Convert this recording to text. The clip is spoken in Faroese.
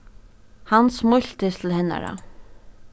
hann smíltist til hennara